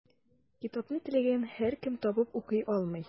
Китапны теләгән һәркем табып укый алмый.